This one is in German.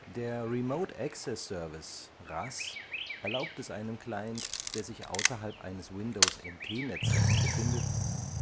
Der Remote Access Service (RAS) erlaubt es einem Client, der sich außerhalb eines Windows-NT-Netzwerks befindet,